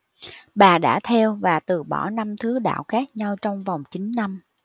bà đã theo và từ bỏ năm thứ đạo khác nhau trong vòng chín năm